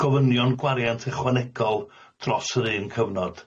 gofynion gwariant ychwanegol dros yr un cyfnod.